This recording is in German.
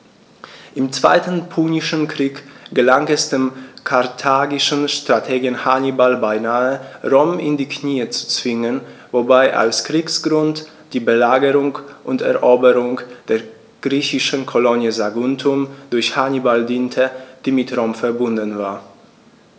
Im Zweiten Punischen Krieg gelang es dem karthagischen Strategen Hannibal beinahe, Rom in die Knie zu zwingen, wobei als Kriegsgrund die Belagerung und Eroberung der griechischen Kolonie Saguntum durch Hannibal diente, die mit Rom „verbündet“ war.